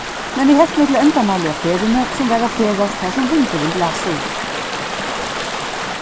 men eg helt meg til endamálið á ferðini sum var at ferðast har sum vindurin blæsur